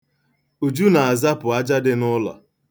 Uju na-azapụ aja dị n'ụlọ.